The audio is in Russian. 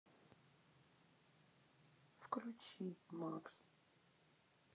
включи макс